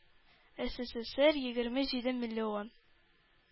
Эсэсэсэр егерме җиде миллион,